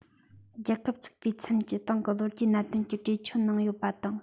རྒྱལ ཁབ ཚུགས པའི ཚུན གྱི ཏང གི ལོ རྒྱུས ཀྱི གནད དོན གྱི གྲོས ཆོད ནང ཡོད པ དང